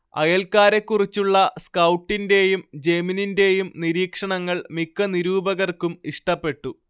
അയൽക്കാരെക്കുറിച്ചുള്ള സ്കൗട്ടിന്റെയും ജെമിനിന്റെയും നിരീക്ഷണങ്ങൾ മിക്ക നിരൂപകർക്കും ഇഷ്ടപ്പെട്ടു